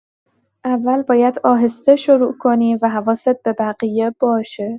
اول باید آهسته شروع کنی و حواست به بقیه باشه.